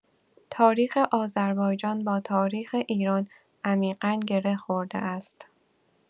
تاریخ آذربایجان با تاریخ ایران عمیقا گره خورده است.